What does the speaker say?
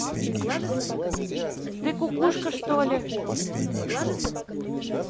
ты кукушка что ли